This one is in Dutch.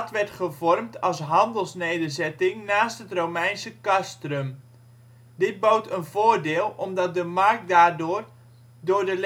werd gevormd als handelsnederzetting naast het Romeinse castrum. Dit bood een voordeel omdat de markt daardoor door de